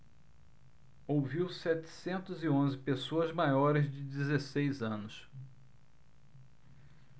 ouviu setecentos e onze pessoas maiores de dezesseis anos